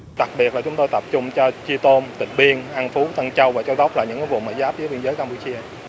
đặc biệt là chúng tôi tập trung cho tri tôn tịnh biên an phú tân châu và châu đốc là những cái bộ giáp với biên giới cam pu chia